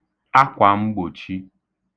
akwàmgbòchī